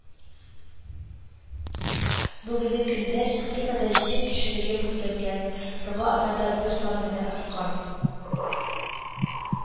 Бүгенге көндә республикада җир кишәрлеге бүлгәнгән, соңгы атнада бу сан гына арткан